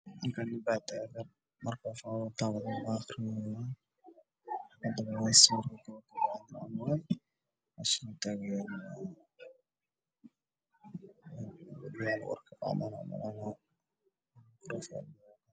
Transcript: meeshaan nin ayaa taagan wato suud baluug ah makaroofoon gacnta ku hayo